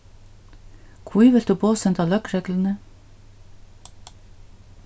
hví vilt tú boðsenda løgregluni